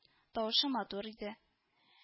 Тавышы матур иде